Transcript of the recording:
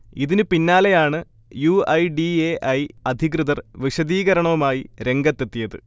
ഇതിന് പിന്നാലെയാണ് U. I. D. A. I. അധികൃതർ വിശദീകരണവുമായി രംഗത്തെത്തിയത്